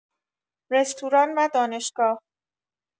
رستوران و دانشگاه